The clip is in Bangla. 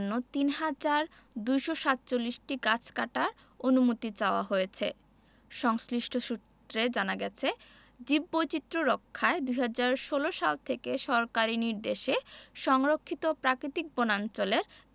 সবমিলিয়ে দুই প্রকল্পের জন্য ৩হাজার ২৪৭টি গাছ কাটার অনুমতি চাওয়া হয়েছে সংশ্লিষ্ট সূত্রে জানা গেছে জীববৈচিত্র্য রক্ষায় ২০১৬ সাল থেকে সরকারি নির্দেশে